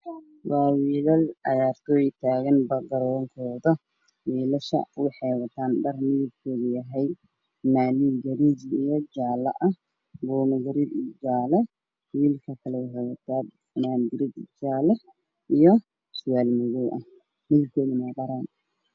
Waa wiilal cayaartooy ah oo taagan garoonka wiilashu waxay wataan dhar midabkiisu yahay fanaanad garee iyo jaare iyo surwaal boroon ah.